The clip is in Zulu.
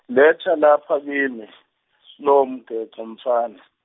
letha lapha kimi, lowomgexo mfana.